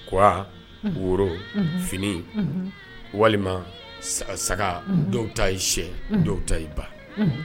Ko woro fini walima saga dɔw ta i sɛ dɔw ta i ba